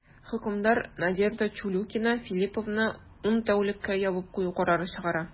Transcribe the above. Хөкемдар Надежда Чулюкина Филлиповны ун тәүлеккә ябып кую карары чыгара.